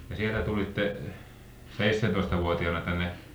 ja sieltä tulitte seitsemäntoistavuotiaana tänne